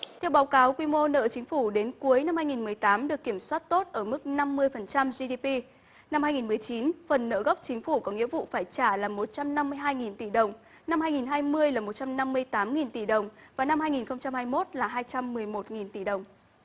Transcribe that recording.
theo báo cáo quy mô nợ chính phủ đến cuối năm hai nghìn mười tám được kiểm soát tốt ở mức năm mươi phần trăm gi đi pi năm hai nghìn mười chín phần nợ gốc chính phủ có nghĩa vụ phải trả là một trăm năm mươi hai nghìn tỷ đồng năm hai nghìn hai mươi là một trăm năm mươi tám nghìn tỷ đồng vào năm hai nghìn không trăm hai mốt là hai trăm mười một nghìn tỷ đồng